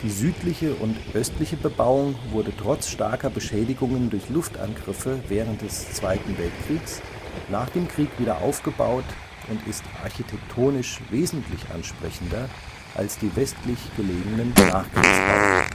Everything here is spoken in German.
südliche und östliche Bebauung wurde trotz starker Beschädigungen durch Luftangriffe während des Zweiten Weltkriegs nach dem Krieg wieder aufgebaut und ist architektonisch wesentlich ansprechender als die westlich gelegenen Nachkriegsbauten